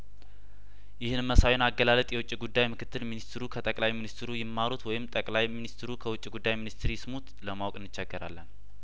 ይህን መሳዩን አገላለጥ የውጭ ጉዳይምክትል ሚኒስትሩ ከጠቅላይ ሚኒስትሩ ይማሩት ወይም ጠቅላይ ሚኒስትሩ ከውጭ ጉዳይ ሚኒስትር ይስሙት ለማወቅ እንቸገራለን